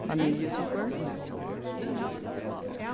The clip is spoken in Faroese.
vaniljusukur